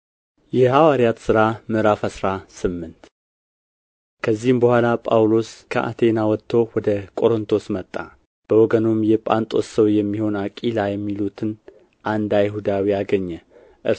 የሐዋርያት ሥራ ምዕራፍ አስራ ስምንት ከዚህም በኋላ ጳውሎስ ከአቴና ወጥቶ ወደ ቆሮንቶስ መጣ በወገኑም የጳንጦስ ሰው የሚሆን አቂላ የሚሉትን አንድ አይሁዳዊ አገኘ